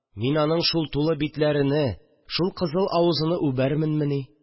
Мин аның шул тулы битләрене, шул кызыл авызыны үбәрменмени